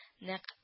Нәкъ